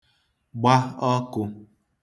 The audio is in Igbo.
gba ọkụ̄